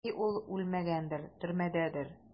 Яки ул үлмәгәндер, төрмәдәдер?